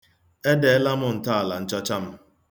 Edeela m ntọala nchọcha m.